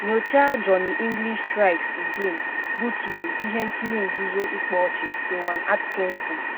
Nyocha Johnny English Strikes Again - buturu ihe nkiri nzuzo ịkpa ọchị Rowan Atkinson